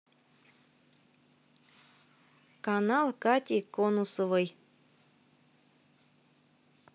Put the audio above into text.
канал кати конусовой